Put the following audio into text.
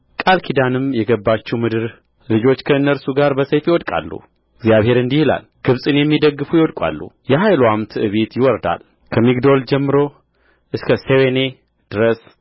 ቃል ኪዳንም የገባችው ምድር ልጆች ከእነርሱ ጋር በሰይፍ ይወድቃሉ እግዚአብሔር እንዲህ ይላል ግብጽን የሚደግፉ ይወድቃሉ የኃይልዋም ትዕቢት ይወርዳል ከሚግዶል ጀምሮ እስከ ሴዌኔ ድረስ